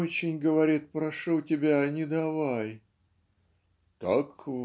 Очень, - говорит, - прошу тебя: не давай!" Так.